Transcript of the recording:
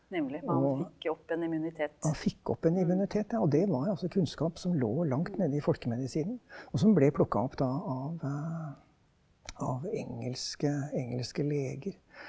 og man fikk opp en immunitet ja, og det var altså kunnskap som lå langt nede i folkemedisinen og som ble plukka opp da av av engelske engelske leger.